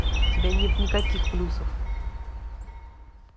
у тебя нет никаких плюсов